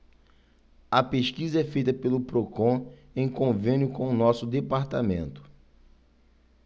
a pesquisa é feita pelo procon em convênio com o diese